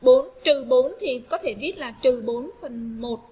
thì có thể viết là phần